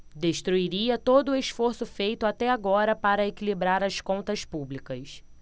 destruiria todo esforço feito até agora para equilibrar as contas públicas